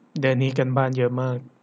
เดือนนี้การบ้านเยอะมาก